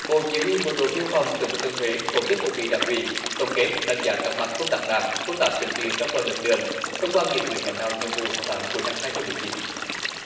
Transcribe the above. bộ chỉ huy bộ đội biên phòng tỉnh thừa thiên huế tổ chức hội nghị đảng ủy tổng kết đánh giá các mặt công tác đảng công tác chính trị trong toàn lực lượng thông qua nghị quyết lãnh đạo nhiệm vụ sáu tháng cuối năm hai không mười chín